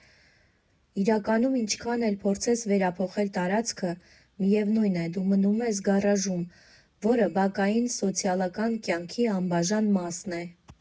«Իրականում, ինչքան էլ փորձես վերափոխել տարածքը, միևնույն է՝ դու մնում ես գարաժում, որը բակային սոցիալական կյանքի անբաժան մասն է»։